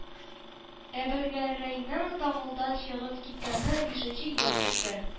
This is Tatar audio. Әбелгәрәйнең тагылдан чыгып киткәненә бишенче ел китә